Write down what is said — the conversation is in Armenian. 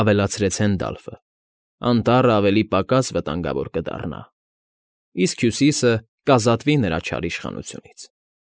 Ավելացրեց Հենդալֆը,֊ անտառը ավելի պակաս վտանգավոր կդառնա, իսկ Հյուսիսը կազատվի նրա չար իշխանությունից։